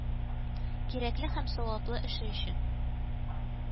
Кирәкле һәм саваплы эше өчен